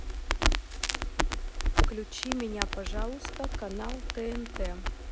включи мне пожалуйста канал тнт